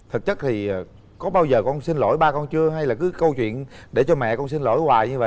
thực chất thì có bao giờ con xin lỗi ba con chưa hay là cứ câu chuyện để cho mẹ con xin lỗi hoài như vậy